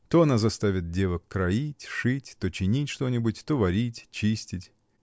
То она заставит девок кроить, шить, то чинить что-нибудь, то варить, чистить.